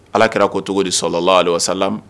Ala kɛra ko cogo di sɔrɔsa